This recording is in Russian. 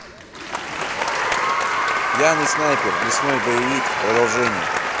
пьяный снайпер лесной боевик продолжение